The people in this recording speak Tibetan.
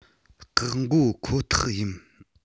སྐག འགོ ཁོ ཐག ཡིན ན